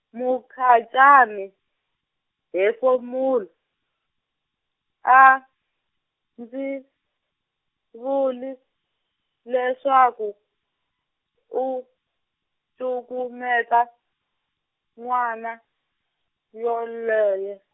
Mukhacani, hefemulo, a, ndzi, vuli, leswaku, u, cukumeta, n'wana, yoloye.